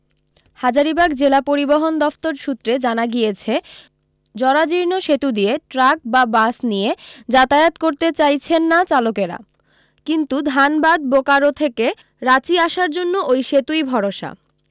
হাজারিবাগ জেলা পরিবহন দফতর সূত্রে জানা গিয়েছে জরাজীর্ণ সেতু দিয়ে ট্রাক বা বাস নিয়ে যাতায়াত করতে চাইছেন না চালকেরাও কিন্তু ধানবাদ বোকারো থেকে রাঁচি আসার জন্য ওই সেতুই ভরসা